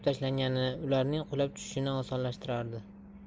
tashlangani ularning qulab tushishini osonlashtirardi